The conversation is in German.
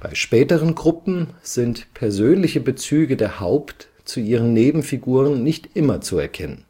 späteren Gruppen sind persönliche Bezüge der Haupt - zu ihren Nebenfiguren nicht immer zu erkennen